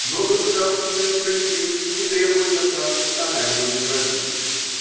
Но государственная справедливость не требует от нас национального безразличия.